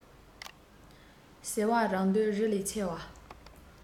ཟེར བ རང འདོད རི ལས ཆེ བ